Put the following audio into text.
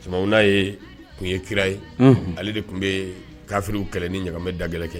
N'a ye tun ye kira ye ale de tun bɛ kafiw kɛlɛ ni ɲamɛ da gɛlɛn kɛ